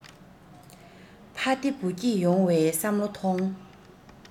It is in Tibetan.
ཕ བདེ བུ སྐྱིད ཡོང བའི བསམ བློ ཐོང